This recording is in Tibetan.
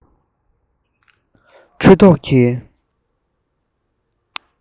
འཁྲུལ རྟོག གི